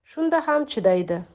shunda ham chidaydi